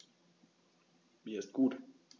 Mir ist gut.